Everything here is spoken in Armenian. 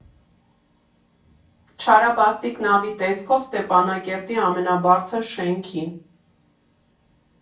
Չարաբաստիկ նավի տեսքով Ստեփանակերտի ամենաբարձր շենքի։